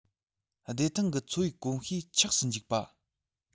བདེ ཐང གི འཚོ བའི གོམས གཤིས ཆགས སུ འཇུག པ